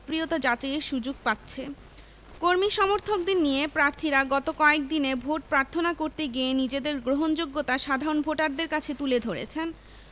প্রিয়তা যাচাইয়ের সুযোগ পাচ্ছে কর্মী সমর্থকদের নিয়ে প্রার্থীরা গত কয়েক দিনে ভোট প্রার্থনা করতে গিয়ে নিজেদের গ্রহণযোগ্যতা সাধারণ ভোটারদের কাছে তুলে ধরেছেন